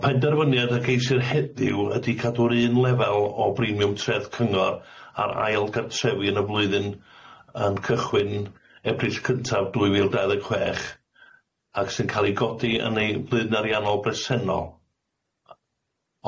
Penderfyniad a geisir heddiw ydi cadw'r un lefel o brimiwm treth cyngor ar ail gartrefi yn y flwyddyn yn cychwyn Ebrill cyntaf dwy fil dau ddeg chwech ac sy'n ca'l ei godi yn ei flwyddyn ariannol bresennol.